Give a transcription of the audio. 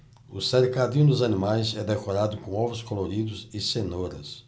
o cercadinho dos animais é decorado com ovos coloridos e cenouras